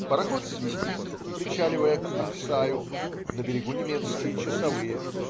Пароход свистит, причаливая к Аксаю. На берегу - немецкие часовые.